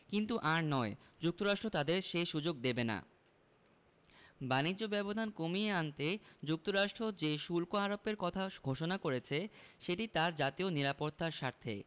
কিন্তু আর নয় যুক্তরাষ্ট্র তাদের সে সুযোগ দেবে না বাণিজ্য ব্যবধান কমিয়ে আনতে যুক্তরাষ্ট্র যে শুল্ক আরোপের কথা ঘোষণা করেছে সেটি তার জাতীয় নিরাপত্তার স্বার্থে